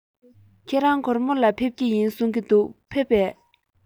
ཁྱེད རང གོར མོ ལ འགྲོ རྒྱུ ཡིན གསུང པས ཕེབས སོང ངམ